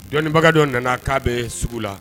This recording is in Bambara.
Dɔnnibagadenw nana k'a bɛ sugu la